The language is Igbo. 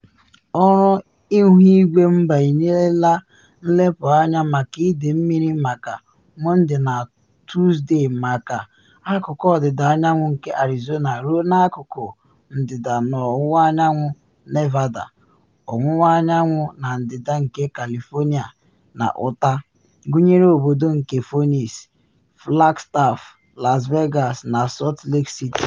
Ọrụ Ihuigwe Mba enyela nlepụ anya maka ide mmiri maka Mọnde na Tusde maka akụkụ ọdịda anyanwụ nke Arizona ruo n’akụkụ ndịda na ọwụwa anyanwụ Nevada, ọwụwa anyanwụ na ndịda nke California na Utah, gụnyere obodo nke Phoenix, Flagstaff, Las Vegas, na Salt Lake City.